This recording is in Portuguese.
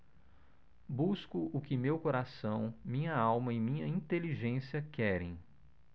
busco o que meu coração minha alma e minha inteligência querem